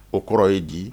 O kɔrɔ ye di